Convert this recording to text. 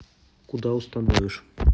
куда установишь